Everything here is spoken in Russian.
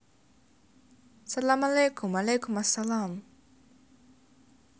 салам алейкум алейкум ассалам